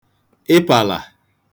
ịpàlà